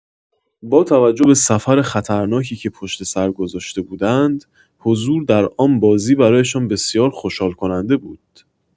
با توجه به سفر خطرناکی که پشت‌سر گذاشته بودند، حضور در آن بازی برایشان بسیار خوشحال‌کننده بود.